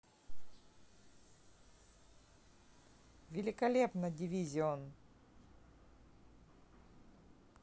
великолепно division